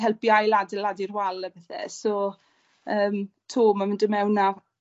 helpu ail adeladu'r wal a pethe so yym 'to ma' nw'n do' mewn a